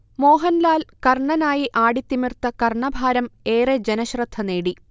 മോഹൻലാൽ കർണനായി ആടിത്തിമിർത്ത കർണഭാരം ഏറെ ജനശ്രദ്ധ നേടി